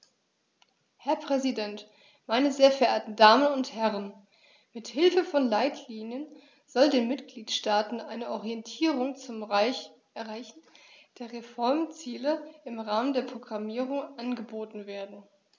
Herr Präsident, meine sehr verehrten Damen und Herren, mit Hilfe von Leitlinien soll den Mitgliedstaaten eine Orientierung zum Erreichen der Reformziele im Rahmen der Programmierung angeboten werden.